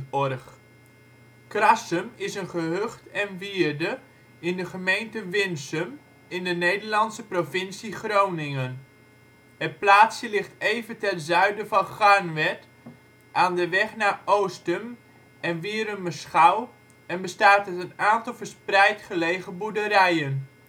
OL Krassum Plaats in Nederland Situering Provincie Groningen Gemeente Winsum Portaal Nederland Krassum is een gehucht en wierde in de gemeente Winsum in de Nederlandse provincie Groningen. Het plaatsje ligt even ten zuiden van Garnwerd aan de weg naar Oostum en Wierumerschouw en bestaat uit een aantal verspreid gelegen boerderijen